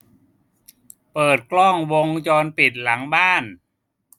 เปิดกล้องวงจรปิดหลังบ้าน